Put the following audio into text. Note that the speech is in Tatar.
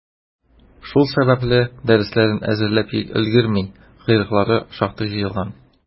Шул сәбәпле, дәресләрен әзерләп өлгерми, «койрыклары» шактый җыелган.